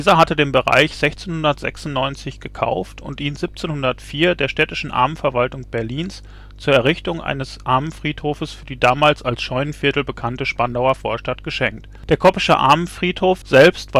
hatte den Bereich 1696 gekauft und ihn 1704 der Städtischen Armenverwaltung Berlins zur Errichtung eines Armenfriedhofs für die damals als Scheunenviertel bekannte Spandauer Vorstadt geschenkt. Der Koppesche Armenfriedhof selbst